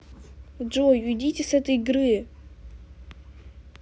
джой уйдите с этой игры